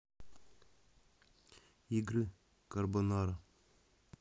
игры карбонара